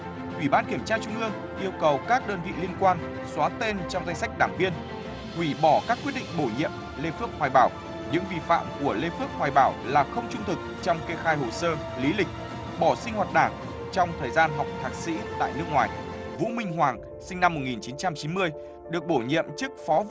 ủy ban kiểm tra trung ương yêu cầu các đơn vị liên quan xóa tên trong danh sách đảng viên hủy bỏ các quyết định bổ nhiệm lê phước hoài bảo những vi phạm của lê phước hoài bảo là không trung thực trong kê khai hồ sơ lý lịch bỏ sinh hoạt đảng trong thời gian học thạc sĩ tại nước ngoài vũ minh hoàng sinh năm một nghìn chín trăm chín mươi được bổ nhiệm chức phó vụ